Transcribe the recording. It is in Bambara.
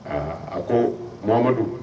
Aa a ko mamadu